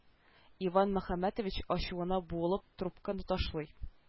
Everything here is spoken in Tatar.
Иван мөхәммәтович ачуына буылып трубканы ташлый